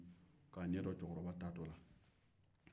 a ye marifa munumunu k'a ɲɛ jɔ cɛkɔrɔba taatɔ la